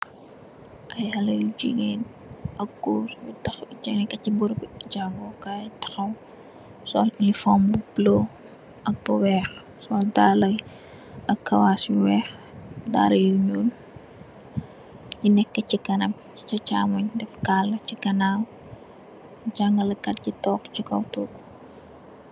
Ay xalèh yu jigéen ak gór taxaw ci sèèni barabi jangèè kai taxaw sol uniform bu bula ak bu wèèx sol dalla ak kawas yu wèèx dalla yu ñuul. Ki nekka ci kanam ci caaymoy bi dèf kala ci ganaw wam. Jangalekai bi tóóg ci kaw tóógu bi.